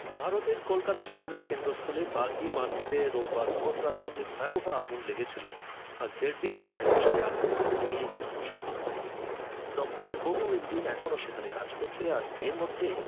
ভারতের কলকাতা শহরের কেন্দ্রস্থলে বাগরি মার্কেট এ রোববার ভোররাতে যে ভয়াবহ আগুন লেগেছিল আজ দেড় দিন পরেও সেই আগুন পুরোপুরি নেভানো সম্ভব হয়নি দমকলের বহু ইঞ্জিন এখনো সেখানে কাজ করছে আর এর মধ্যেই